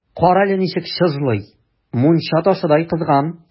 Кара әле, ничек чыжлый, мунча ташыдай кызган!